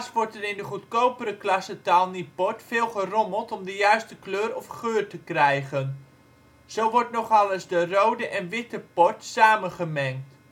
wordt er in de goedkopere klasse tawny port veel gerommeld om de juiste kleur of geur te krijgen. Zo wordt nogal eens de rode en witte port samen gemengd